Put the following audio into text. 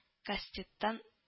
Кастеттан